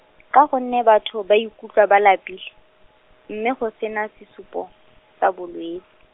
ka gonne batho ba ikutlwa ba lapile, mme go sena sesupo, sa bolwe-.